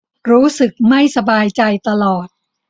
รู้สึกไม่สบายใจตลอด